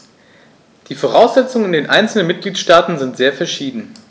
Die Voraussetzungen in den einzelnen Mitgliedstaaten sind sehr verschieden.